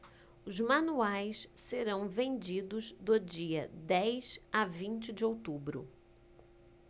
os manuais serão vendidos do dia dez a vinte de outubro